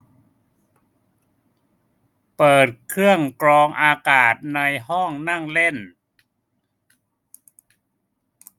เปิดเครื่องกรองอากาศในห้องนั่งเล่น